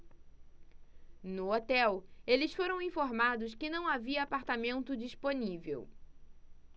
no hotel eles foram informados que não havia apartamento disponível